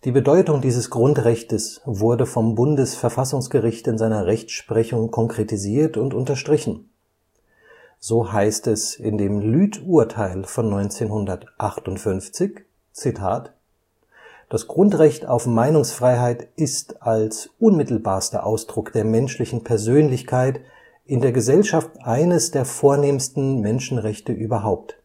Bedeutung dieses Grundrechtes wurde vom Bundesverfassungsgericht in seiner Rechtsprechung konkretisiert und unterstrichen. So heißt es in dem Lüth-Urteil von 1958: Das Grundrecht auf Meinungsfreiheit ist als unmittelbarster Ausdruck der menschlichen Persönlichkeit in der Gesellschaft eines der vornehmsten Menschenrechte überhaupt